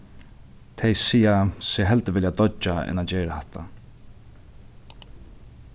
tey siga seg heldur vilja doyggja enn at gera hatta